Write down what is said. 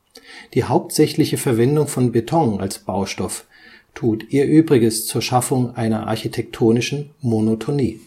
Die hauptsächliche Verwendung von Beton als Baustoff tut ihr Übriges zur Schaffung einer architektonischen Monotonie